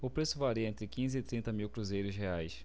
o preço varia entre quinze e trinta mil cruzeiros reais